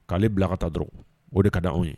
K'ale bila ka taa dɔrɔn o de ka di anw ye